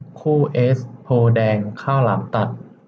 คู่เอซโพธิ์แดงข้าวหลามตัด